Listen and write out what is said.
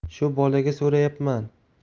shu bolaga so'rayapman